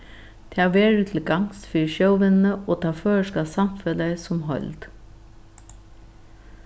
tað verður til gagns fyri sjóvinnu og tað føroyska samfelagið sum heild